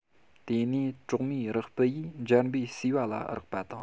དེ ནས གྲོག མའི རེག སྤུ ཡིས འབྱར འབུའི གསུས པ ལ རེག པ དང